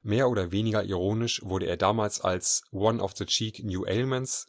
Mehr oder weniger ironisch wurde er damals als One of the chic new ailments